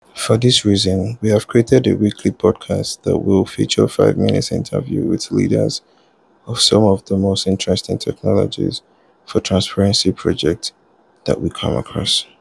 For this reason we have created a weekly podcast that will feature five-minute interviews with leaders of some of the most interesting technology for transparency projects that we come across.